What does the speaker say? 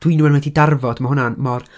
Dwynwen wedi darfod ma' hwnna'n mor...